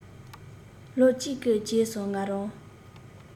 ལོ གཅིག གི རྗེས སུ ང རང